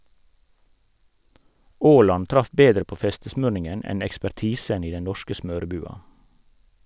Aaland traff bedre på festesmurningen enn ekspertisen i den norske smørebua.